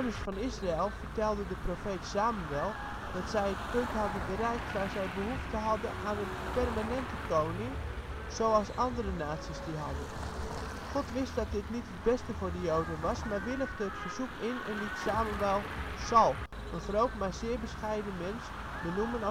van Israël vertelden de profeet Samuel dat zij het punt hadden bereikt waar zij behoefte hadden aan een permanente koning, zoals andere naties die hadden. God wist dat dit niet het beste voor de joden was, maar willigde het verzoek in en liet Samuel Saul, een groot maar zeer bescheiden mens, benoemen